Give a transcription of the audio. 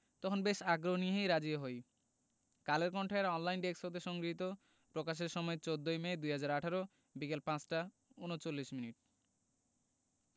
তখন বেশ আগ্রহ নিয়েই রাজি হই কালের কণ্ঠ এর অনলাইনে ডেস্ক হতে সংগৃহীত প্রকাশের সময় ১৪মে ২০১৮ বিকেল ৫টা ৩৯ মিনিট